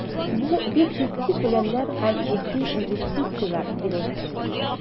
Бу бик җитди күләмнәр һәм җитди инвестицияләр, дип әйтте ул.